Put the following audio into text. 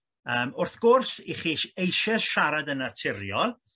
yym wrth gwrs i chi eisiau siarad yn naturiol